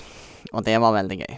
Og det var veldig gøy.